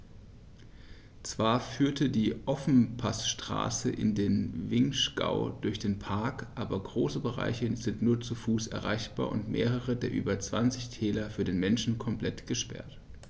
Zwar führt die Ofenpassstraße in den Vinschgau durch den Park, aber große Bereiche sind nur zu Fuß erreichbar und mehrere der über 20 Täler für den Menschen komplett gesperrt.